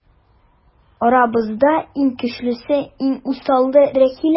Арабызда иң көчлесе, иң усалы - Рәхилә.